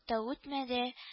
Та үтмәде